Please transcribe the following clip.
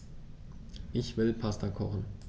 Ich will Pasta kochen.